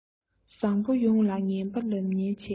བཟང པོ ཡོངས ལ ངན པ ལབ ཉེན ཆེ